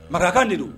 Marakakan de do